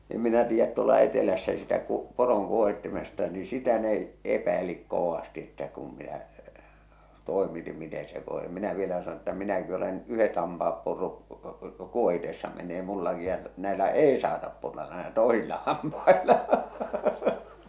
en minä tiedä tuolla etelässä sitä - poron kuohitsemisesta niin sitä ne epäili kovasti että kun minä toimitin miten se kun sen minä vielä sanoin että minäkin olen yhdet hampaat purrut kuohitessa menneet minullakin ja näillä ei saata purra näillä toisilla hampailla